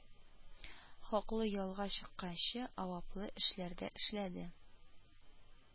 Хаклы ялга чыкканчы аваплы эшләрдә эшләде